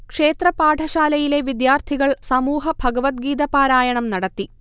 ക്ഷേത്ര പാഠശാലയിലെ വിദ്യാർഥികൾ സമൂഹ ഭഗവദ്ഗീത പാരായണം നടത്തി